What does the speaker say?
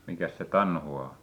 mikäs se tanhua on